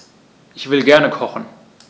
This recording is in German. Ich will gerne kochen.